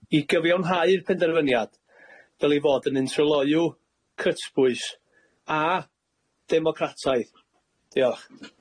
i gyfiawnhau'r penderfyniad, fel ei fod yn un tryloyw, cytbwys, a democrataidd. Diolch.